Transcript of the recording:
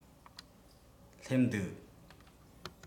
སླེབས འདུག